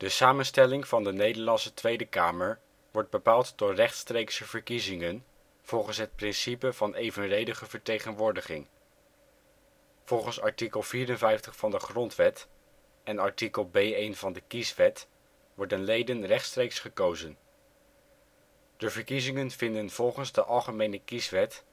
samenstelling van de Nederlandse Tweede Kamer wordt bepaald door rechtstreekse verkiezingen volgens het principe van evenredige vertegenwoordiging. Volgens artikel 54 van de Grondwet en artikel B1 van de Kieswet worden leden rechtstreeks gekozen. De verkiezingen vinden volgens de algemene kieswet